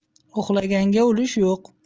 uxlaganga ulush yo'q